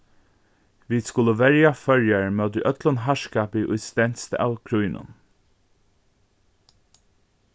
vit skulu verja føroyar móti øllum harðskapi ið stendst av krígnum